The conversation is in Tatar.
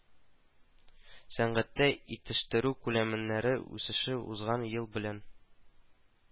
Сәнәгатьтә итештерү күләмнәре үсеше узган ел белән